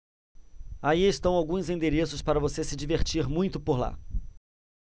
aí estão alguns endereços para você se divertir muito por lá